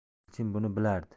elchin buni bilardi